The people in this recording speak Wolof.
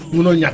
munul ñàkk